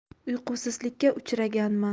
uyqusizlikka uchraganman